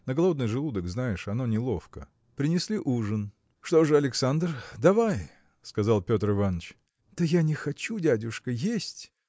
На голодный желудок, знаешь, оно неловко. Принесли ужин. – Что же, Александр, давай. – сказал Петр Иваныч. – Да я не хочу, дядюшка, есть!